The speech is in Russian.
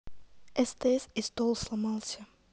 стс и стол сломался